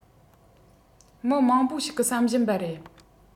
མི མང པོ ཞིག གིས བསམ བཞིན པ རེད